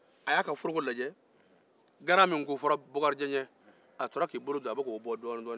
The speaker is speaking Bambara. a y'a ka foroko lajɛ garan min kofora bakaridjan ye a b'a fɛ k'o bɔ